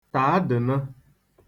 taadịnụ